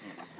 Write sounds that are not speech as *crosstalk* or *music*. *hesitation* *hesitation*